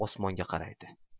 osmonga qaraydi